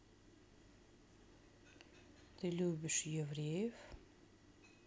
ты любишь евреев